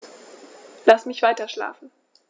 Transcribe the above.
Lass mich weiterschlafen.